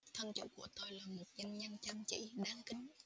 thân chủ của tôi là một doanh nhân chăm chỉ đáng kính